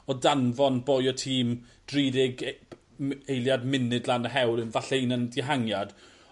o danfon boi o tîm dri deg e- b- m- eiliad munud lan y hewl yn falle un yn dihangiad.